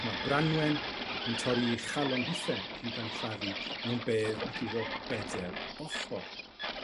Ma' Branwen yn torri 'i chalon hithe cyn ca'l 'i chladdu mewn bedd ac iddo beder ochor.